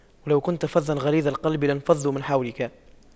وَلَو كُنتَ فَظًّا غَلِيظَ القَلبِ لاَنفَضُّواْ مِن حَولِكَ